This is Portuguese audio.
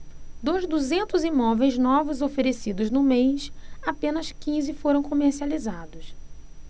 dos duzentos imóveis novos oferecidos no mês apenas quinze foram comercializados